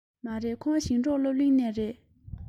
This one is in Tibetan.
མ རེད ཁོང ཞིང འབྲོག སློབ གླིང ནས རེད